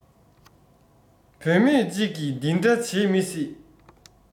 བུད མེད ཅིག གི འདི འདྲ བྱེད མི སྲིད